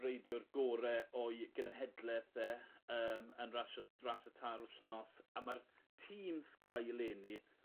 reidiwr gore o'i genhedleth e yym yn rasio ras y tair wthnos a ma'r Team Sky eleni